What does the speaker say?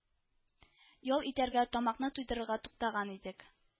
Ял итәргә, тамакны туйдырырга туктаган идек